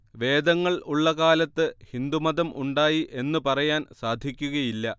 വേദങ്ങൾ ഉള്ള കാലത്ത് ഹിന്ദു മതം ഉണ്ടായി എന്ന് പറയാൻ സാധിക്കുകയില്ല